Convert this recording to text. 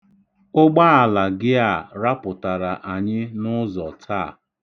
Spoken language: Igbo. Ụgbaala gị a rapụtara anyị n'ụzọ taa.